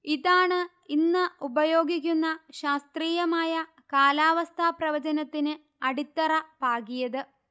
ഇതാണ് ഇന്ന് ഉപയോഗിക്കുന്ന ശാസ്ത്രീയമായ കാലാവസ്ഥാപ്രവചനത്തിന് അടിത്തറ പാകിയത്